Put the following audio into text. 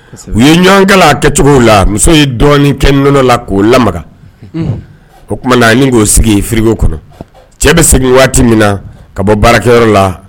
U ye ɲɔgɔnkala kɛcogo la muso ye dɔɔnin kɛɔnɔ la k'o la o tumaumana na k'o sigi fi kɔnɔ cɛ bɛ segin waati min na ka bɔ baarakɛyɔrɔ la